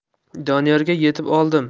doniyorga yetib oldim